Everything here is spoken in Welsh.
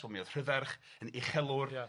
Wel mi o'dd Rhydderch yn uchelwr... Ia...